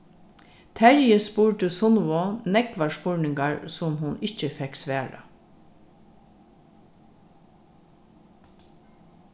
terji spurdi sunnevu nógvar spurningar sum hon ikki fekk svarað